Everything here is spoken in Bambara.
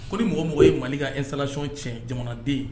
Ko ni mɔgɔ mɔgɔ ye mali ka esalacon tiɲɛ jamanaden ye